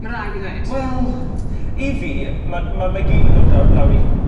Ma rai' fi ddweud. Wel i fi ma' ma' fe gyd yn dod draw lawr i